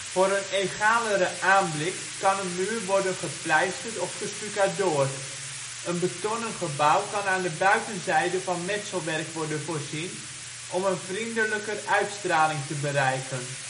Voor een egalere aanblik kan een muur worden gepleisterd of gestukadoord. Een betonnen gebouw kan aan de buitenzijde van metselwerk worden voorzien, om een vriendelijker uitstraling te bereiken